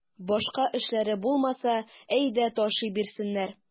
Башка эшләре булмаса, әйдә ташый бирсеннәр.